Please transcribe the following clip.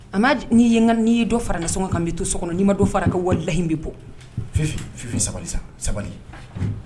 A n'i dɔ farasɔngɔ kan bɛ to so kɔnɔ n'i ma dɔn fara ka wale lahi bɛ bɔ sabali sa sabali